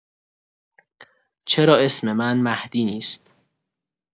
چرا اسم من مهدی نیست؟